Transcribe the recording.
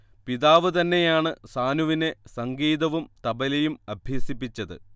പിതാവ് തന്നെയാണ് സാനുവിനെ സംഗീതവും തബലയും അഭ്യസിപ്പിച്ചത്